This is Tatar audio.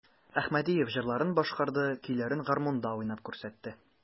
Әхмәдиев җырларын башкарды, көйләрен гармунда уйнап күрсәтте.